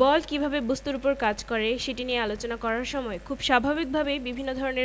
১৫ পদার্থবিদ্যা তৃতীয় অধ্যায় বল বা ফোরস আগের অধ্যায়ে আমরা বস্তুর গতি নিয়ে আলোচনা করেছি কিন্তু কেন